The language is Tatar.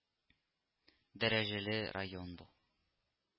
Дәрәҗәле район бу